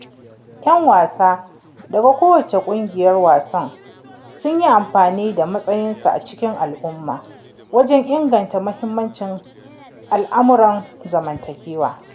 Yan wasa daga kowace ƙungiyar wasan sun yi amfani da matsayinsu a cikin al'umma wajen inganta muhimman al'amuran zamantakewa.